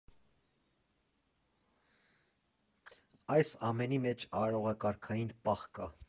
Այս ամենի մեջ արարողակարգային պահ կա։